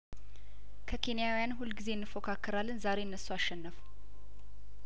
ከኬንያውያን ሁልጊዜ እንፎካከራለን ዛሬ እነሱ አሸነፉ